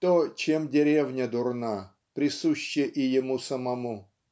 то, чем деревня дурна, присуще и ему самому.